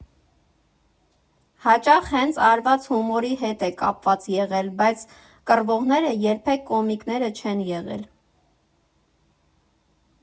Հաճախ հենց արված հումորի հետ է կապված եղել, բայց կռվողները երբեք կոմիկները չեն եղել։